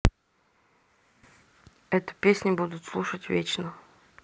эту песню будут слушать вечно